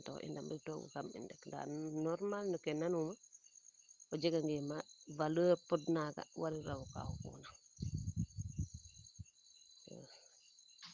ten taxu i ndamri toogu kam in rek ndaa normale no ke na and uuma o jega nge ka fodna naaga wariro raw ka xuppuna